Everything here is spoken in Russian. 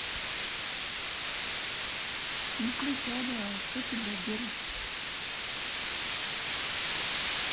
ну включай давай что ты блять держишься